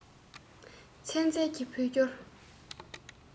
ཚན རྩལ གྱི བོད སྐྱོར